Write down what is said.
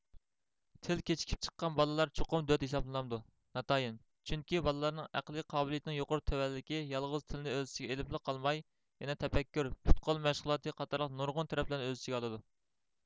تىل كىچىكىپ چىققان بالىلار چوقۇم دۆت ھېسابلىنامدۇ ناتايىن چۈنكى بالىلارنىڭ ئەقلىي قابىلىيىتىنىڭ يۇقىرى تۆۋەنلىكى يالغۇز تىلنى ئۆز ئىچىگە ئېلىپلا قالماي يەنە تەپەككۇر پۇت قول مەشغۇلاتى قاتارلىق نۇرغۇن تەرەپلەرنى ئۆز ئىچىگە ئالىدۇ